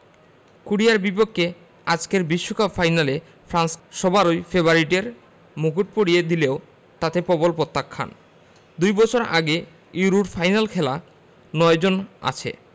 কোরিয়ার বিপক্ষে আজকের বিশ্বকাপ ফাইনালে ফ্রান্সকে সবাই ফেভারিটের মুকুট পরিয়ে দিলেও তাতে প্রবল প্রত্যাখ্যান দুই বছর আগে ইউরোর ফাইনালে খেলা ৯ জন আছে